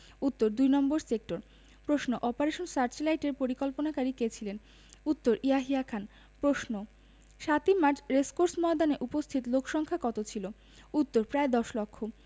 উত্তর দুই নম্বর সেক্টর প্রশ্ন অপারেশন সার্চলাইটের পরিকল্পনাকারী কে ছিল উত্তর ইয়াহিয়া খান প্রশ্ন ৭ই মার্চ রেসকোর্স ময়দানে উপস্থিত লোকসংক্ষা কত ছিলো উত্তর প্রায় দশ লক্ষ